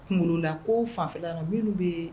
Kolonda ko fanfɛlala minnu bɛ yen